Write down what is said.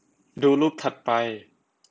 ดูรูปถัดไป